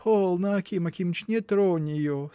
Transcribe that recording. — Полно, Аким Акимыч, не тронь ее!